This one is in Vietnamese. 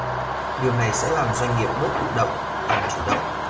điều này sẽ làm doanh nghiệp bớt thụ động tăng chủ động